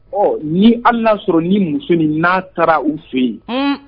Ɔ ni ala'a sɔrɔ ni musosonin n'a taara u fɛ yen